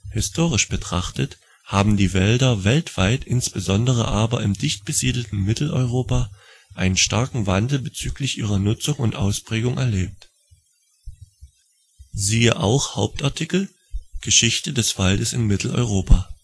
Historisch betrachtet haben die Wälder weltweit, insbesondere aber im dichtbesiedeltem Mitteleuropa, einen starken Wandel bezüglich ihrer Nutzung und Ausprägung erlebt. Siehe auch Hauptartikel: Geschichte des Waldes in Mitteleuropa